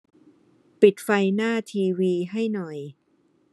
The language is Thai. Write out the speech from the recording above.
ปิดไฟหน้าทีวีให้หน่อย